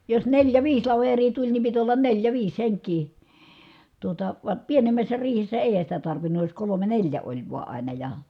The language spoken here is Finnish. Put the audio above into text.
jos neljä viisi laveria tuli niin piti olla neljä viisi henkeä tuota vaan pienemmässä riihessä eihän sitä tarvinnut jos kolme neljä oli vain aina ja